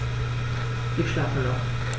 Ich schlafe noch.